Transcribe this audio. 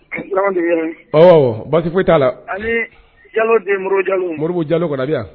Ja basi foyi t'a la ani jalo den mori ja moribo jalo kɔni